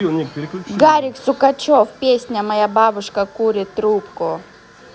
гарик сукачев песня моя бабушка курит трубку